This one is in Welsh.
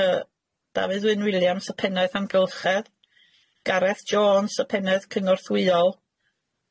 yy Dafydd Wyn Williams y pennaeth amgylchedd, Gareth Jones y penedd cyngorthwyol,